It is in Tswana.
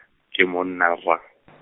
ke monna rra .